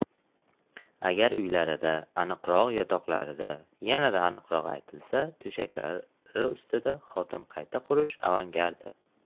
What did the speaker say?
agar uylarida aniqrog'i yotoqlarida yanada aniqroq aytilsa to'shaklari ustida xotin qayta qurish avangardi